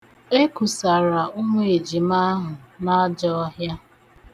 Ekusara ụmụ ejima ahụ n'ajọọhịa.